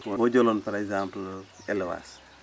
boo jëloon par exemple élevage